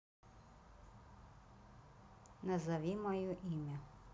назови мое имя